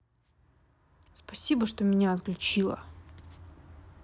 спасибо что меня отключила